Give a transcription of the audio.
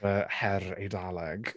Y her Eidaleg.